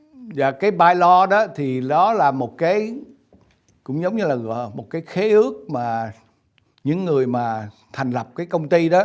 dạ cái bai lo đó thì nó là một cái cũng giống như là một cái khế ước mà những người mà thành lập cái công ty đó